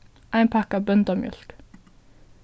ein pakka av bóndamjólk